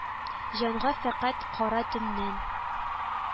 Җанга фәкать кара төннән